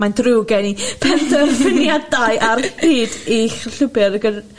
mae'n drwg gen i penderfyniadau ar pryd i llwybr